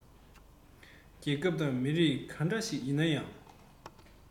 རྒྱལ ཁབ དང མི རིགས གང འདྲ ཞིག ཡིན ནའང